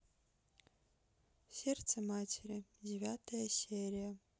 сердце матери девятая серия